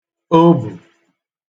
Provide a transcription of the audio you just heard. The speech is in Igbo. obə̀